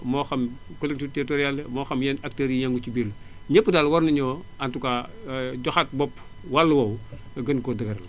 moo xam collectivité territoriale la moo xam yeneen acteurs yiy yëngu ci mbir mi ñëpp daal war nañoo en tout cas joxaat bopp wàll woowu gën koo dëgëral